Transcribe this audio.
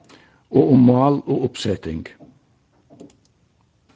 og um mál og uppseting